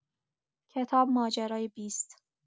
کتاب ماجرای بیست